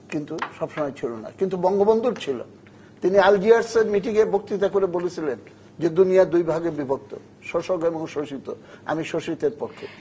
কিন্তু সব সময় ছিল না কিন্তু বঙ্গবন্ধুর ছিল তিনি আলজিয়ার্স এর মিটিং এর বক্তৃতা করে বলেছিলেন যে দুনিয়া দুই ভাগে বিভক্ত শোষক এবং শোষিত আমি শোষিতের পক্ষে